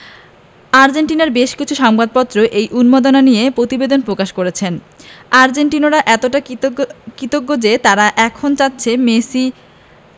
আর্জেন্টিনার বেশ কিছু সংবাদপত্র এই উন্মাদনা নিয়ে প্রতিবেদনও প্রকাশ করেছে আর্জেন্টাইনরা এতটাই কৃতজ্ঞ যে তাঁরা এখন চাচ্ছেন মেসি